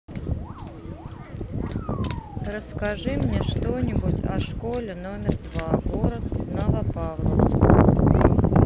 расскажи мне что нибудь о школе номер два город новопавловск